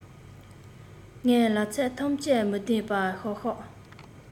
ངས ལབ ཚད ཐམས ཅད མི བདེན པ ཤག ཤག